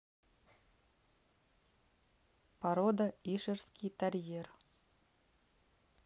порода ишерский тарьер